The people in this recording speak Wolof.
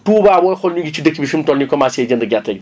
touba booy xool ñu ngi ci dëkk bi fi mu toll nii commencé jënd gerte gi